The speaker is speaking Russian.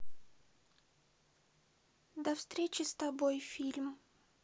до встречи с тобой фильм